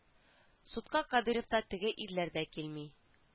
Судка кадыйров та теге ирләр дә килми